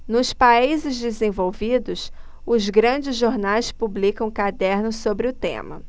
nos países desenvolvidos os grandes jornais publicam cadernos sobre o tema